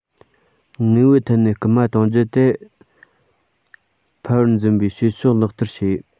དངོས པོའི ཐད ནས བསྐུལ མ གཏོང རྒྱུ དེ ཕལ པར འཛིན པའི བྱེད ཕྱོགས ལག བསྟར བྱེད